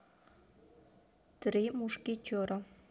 три мушкетера